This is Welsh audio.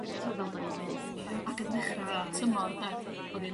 mmm t'o' fel 'dan ni'n gneud. Ia ac yn ddechra tymor 'de odd i 'n...